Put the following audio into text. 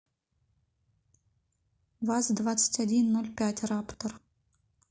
ваз двадцать один ноль пять раптор